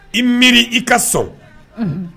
I miiri i ka so